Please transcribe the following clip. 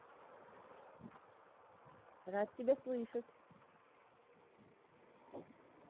рад тебя слышать